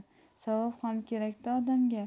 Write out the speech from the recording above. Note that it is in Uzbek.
savob ham kerak da odamga